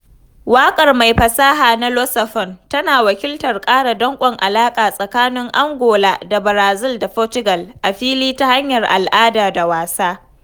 Waƙar mai fasaha na Lusophone tana wakiltar ƙara danƙon alaƙa tsakanin Angola da Brazil da Portugal - a fili ta hanyar al'ada da wasa.